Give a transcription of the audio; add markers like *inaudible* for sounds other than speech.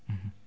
*hesitation* *hesitation*